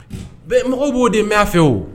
Mais mɔgɔw bo de mɛn a fɛ wo.